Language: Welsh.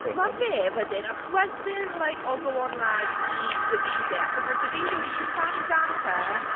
Ma' fe wedyn yn chwerthin, like, "Oh go on lad" i Davide. Achos ma' Davide wedi cusannu Danica...